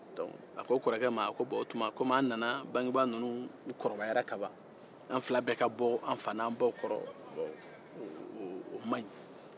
a ko kɔrɔkɛ ma komi an nana bangebaa ninnu kɔrɔla an fila bɛɛ ka bɔ u kɔrɔ o man ɲi